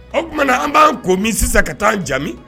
O tumaumana na an b'an ko min sisan ka taa'an jaabi